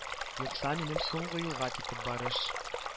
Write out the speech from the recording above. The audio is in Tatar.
Юкса минем соңгы юлга китеп барыш